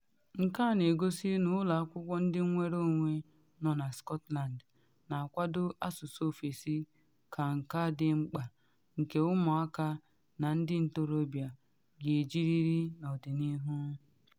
Nke a na egosi na ụlọ akwụkwọ ndị nnwere onwe nọ na Scotland na akwado asụsụ ofesi ka nka dị mkpa nke ụmụaka na ndị ntorobịa ga-ejiriri n’ọdịnihu.